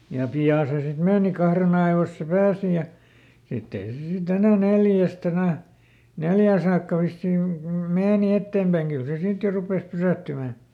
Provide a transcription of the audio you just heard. ja pian se sitten meni kahden ajoissa se pääsi ja sitten ei se sitten enää neljästä enää neljään saakka vissiin kyllä meni eteenpäin kyllä se sitten jo rupesi pysähtymään